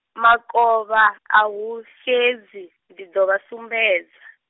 makovha, ahu xedzi, ndi ḓo vha sumbedza.